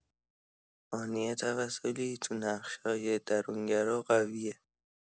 هانیه توسلی تو نقشای درون‌گرا قویه.